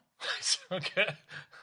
Reit. Ocê.